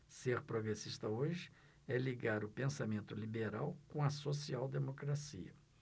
ser progressista hoje é ligar o pensamento liberal com a social democracia